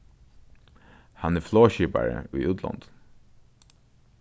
hann er flogskipari í útlondum